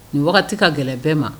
Nin wagati ka gɛlɛn bɛɛ ma